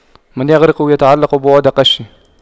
من يغرق يتعلق بعود قش